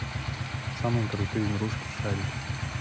самые крутые игрушки шарики